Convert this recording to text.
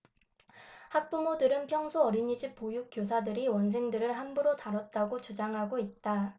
학부모들은 평소 어린이집 보육교사들이 원생들을 함부로 다뤘다고 주장하고 있다